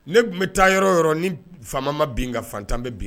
Ne tun bɛ taa yɔrɔ yɔrɔ ni faama ma bin ka fatan bɛ bin